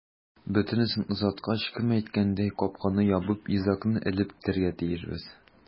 Бөтенесен озаткач, кем әйткәндәй, капканы ябып, йозакны элеп китәргә тиешбез.